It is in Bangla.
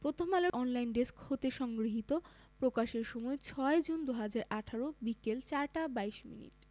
প্রথমআলোর অনলাইন ডেস্ক হতে সংগৃহীত প্রকাশের সময় ৬জুন ২০১৮ বিকেল ৪টা ২২ মিনিট